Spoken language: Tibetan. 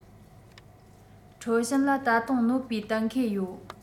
ཁྲའོ ཞན ལ ད དུང གནོད པའི གཏན འཁེལ ཡོད